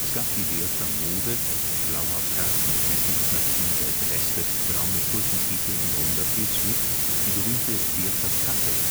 gab die Werther-Mode (blauer Frack mit Messingknöpfen, gelbe Weste, braune Stulpenstiefel und runder Filzhut), die berühmte Werther-Tasse